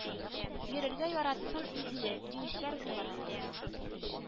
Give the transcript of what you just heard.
Йөрергә яратсын инде, диючеләр булыр